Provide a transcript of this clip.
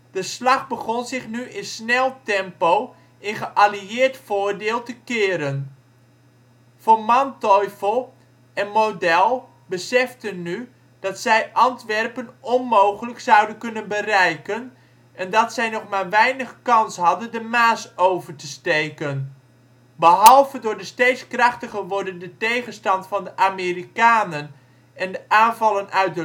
De slag begon zich nu in snel tempo in geallieerd voordeel te keren. Von Manteuffel en Model beseften nu dat zij Antwerpen onmogelijk zouden kunnen bereiken en dat zij nog maar weinig kans hadden de Maas over te steken. Behalve door de steeds krachtiger wordende tegenstand van de Amerikanen en de aanvallen uit